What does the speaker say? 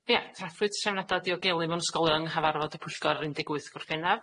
Ia, craffwyd trefniada diogelu mewn ysgolion yng nghyfarfod y pwyllgor ar un deg wyth Gorffennaf,